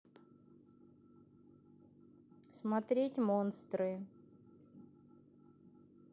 смотреть монстры